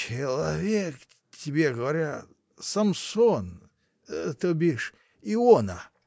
— Человек, тебе говорят: Самсон, то бишь — Иона!